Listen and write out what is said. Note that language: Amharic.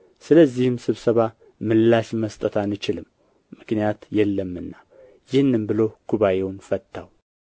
ስለዚህም ስብሰባ ምላሽ መስጠት አንችልም ምክንያት የለምና ይህንም ብሎ ጉባኤውን ፈታው